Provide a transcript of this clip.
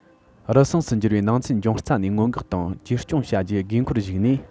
རུལ སུངས སུ འགྱུར བའི སྣང ཚུལ འབྱུང རྩ ནས སྔོན འགོག དང བཅོས སྐྱོང བྱ རྒྱུའི དགོས མཁོར གཞིགས ནས